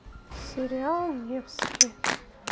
сериал невский